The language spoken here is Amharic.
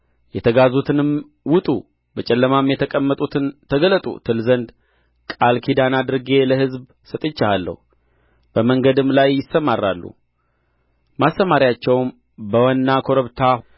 የተጋዙትንም ውጡ በጨለማም የተቀመጡትን ተገለጡ ትል ዘንድ ቃል ኪዳን አድርጌ ለሕዝቡ ሰጥቼሃለሁ በመንገድም ላይ ይሰማራሉ ማሰማርያቸውም በወና ኮረብታ